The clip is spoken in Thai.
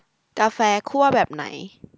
กาแฟคั่วแบบไหน